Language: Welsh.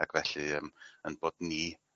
Ac felly yym 'yn bod ni